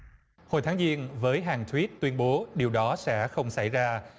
hồi tháng giêng với hàn thuyết tuyên bố điều đó sẽ không xảy ra